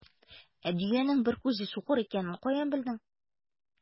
Ә дөянең бер күзе сукыр икәнен каян белдең?